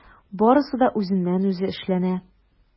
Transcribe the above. Барысы да үзеннән-үзе эшләнә.